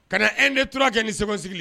Ka na e de toraura kɛ ni sɛbɛnsigi